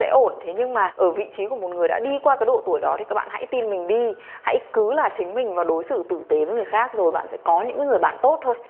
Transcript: sẽ ổn thế nhưng mà ở vị trí của một người đã đi qua cái độ tuổi đó thì các bạn tin mình đi hãy cứ là chính mình và đối xử tử tế với người khác rồi bạn sẽ có những người bạn tốt thôi